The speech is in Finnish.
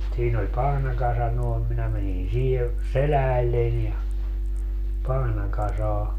siinä oli pahnakasa noin minä menin siihen selälleni ja pahnakasaan